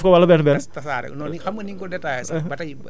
tëmb parce que dañuy def aussi ñu def ko wala benn benn